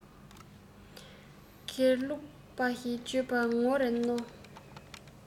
དགེ ལུགས པ ཞེས བརྗོད པར ངོ རེ གནོང